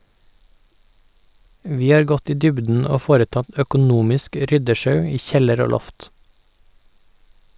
- Vi har gått i dybden og foretatt økonomisk ryddesjau i kjeller og loft.